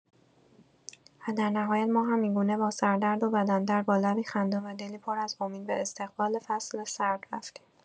و در نهایت ما هم اینگونه با سردرد و بدن‌درد، با لبی خندان و دلی پر از امید به استقبال فصل سرد رفتیم.